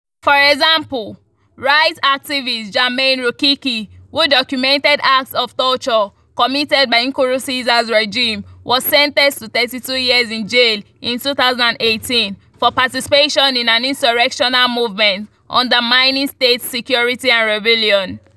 For example, rights activist Germain Rukiki who documented acts of torture committed by Nkurunziza’s regime was sentenced to 32 years in jail in 2018 for participation in an insurrectional movement, undermining state security and rebellion.